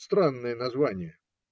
- Странное название.